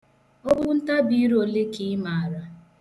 Okwuntabire olee ka ị mara?